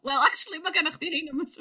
Wel actually ma' gennoch chdi .